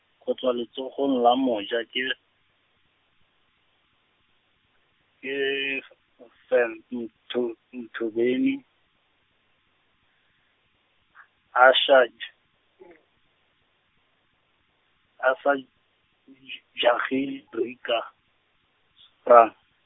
go tswa letsogong la moja ke, ke Fell- Mtho- Mthombeni , Aysha , Aysha , Jogee Rika Sprang.